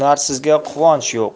hunarsizga quvonch yo'q